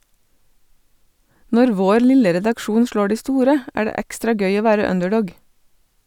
Når vår lille redaksjon slår de store, er det ekstra gøy å være underdog.